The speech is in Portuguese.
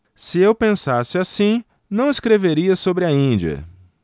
se eu pensasse assim não escreveria sobre a índia